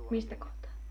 mistä kohtaa